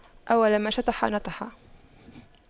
أول ما شطح نطح